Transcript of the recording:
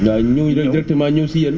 waaw ñoo ñëw ñu def directement ñëw si yéen